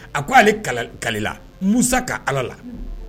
A ko ale kalela Musa ka ala la